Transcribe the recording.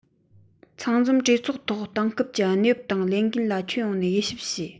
ཚང འཛོམས གྲོས ཚོགས ཐོག དེང སྐབས ཀྱི གནས བབ དང ལས འགན ལ ཁྱོན ཡོངས ནས དབྱེ ཞིབ བྱས